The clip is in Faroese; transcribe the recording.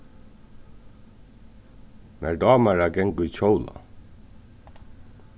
mær dámar at ganga í kjóla